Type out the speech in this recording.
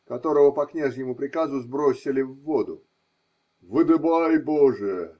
которого по княжьему приказу сбросили в воду: выдыбай, боже!